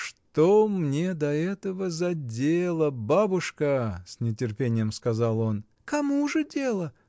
— Что мне до этого за дело, бабушка! — с нетерпением сказал он. — Кому же дело?